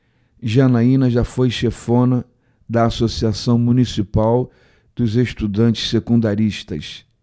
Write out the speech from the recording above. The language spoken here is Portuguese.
janaina foi chefona da ames associação municipal dos estudantes secundaristas